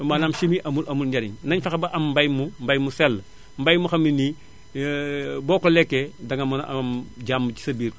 maanaam chimie amul amul amul njariñ nañu fexe ba am mbay mu mbay mu sell mbay moo xam ni boo ko lekkee danga mën a am jàmm ci sa biir